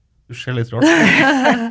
du ser litt rart på meg.